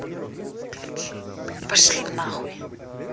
пошли на хуй